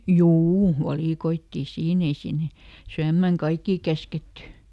juu valikoitiin siinä ei sinne syömään kaikkia käsketty